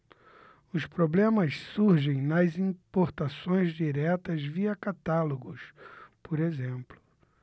os problemas surgem nas importações diretas via catálogos por exemplo